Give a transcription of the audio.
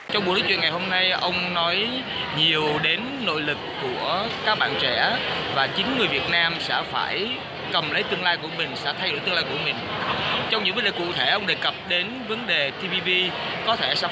trong buổi chuyện hôm nay ông nói nhiều đến nội lực của các bạn trẻ và chính người việt nam sẽ phải cầm lấy tương lai của mình sẽ thay đổi tương lai của mình trong những vấn đề cụ thể đề cập đến vấn đề ti bi bi có thể